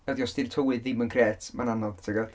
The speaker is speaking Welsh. ydy, os di'r tywydd ddim yn grêt mae'n anodd, ti'n gwbod?